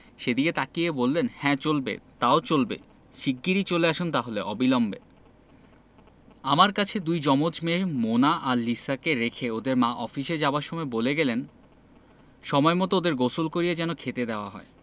সেদিকে তাকিয়ে বললেন হ্যাঁ চলবে তাও চলবে শিগগির চলে আসুন তাহলে অবিলম্বে আমার কাছে দুই জমজ মেয়ে মোনা আর লিসাকে রেখে ওদের মা অফিসে যাবার সময় বলে গেলেন সময়মত ওদের গোসল করিয়ে যেন খেতে দেওয়া হয়